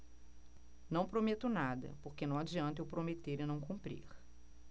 não prometo nada porque não adianta eu prometer e não cumprir